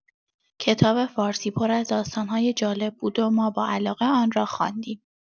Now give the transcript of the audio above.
کتاب فارسی پر از داستان‌های جالب بود و ما با علاقه آن را خواندیم.